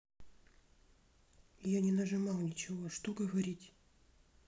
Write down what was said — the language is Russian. я не нажимал ничего что говорить